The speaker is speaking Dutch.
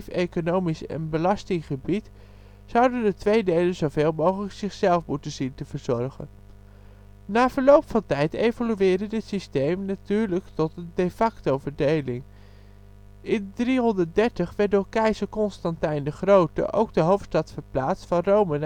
economisch en belasting gebied, zouden de twee delen zoveel mogelijk zichzelf moeten zien te verzorgen. Na verloop van tijd evolueerde dit systeem natuurlijk tot een de facto verdeling. In 330 werd door keizer Constantijn de Grote ook de hoofdstad verplaatst van Rome